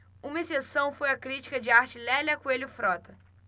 uma exceção foi a crítica de arte lélia coelho frota